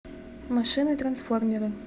машины трансформеры